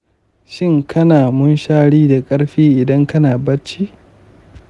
shin kana munshari da karfi idan kana bacci?